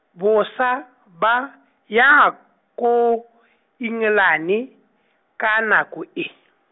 bosa, ba, yaa, ko, Engelane, ka nako e.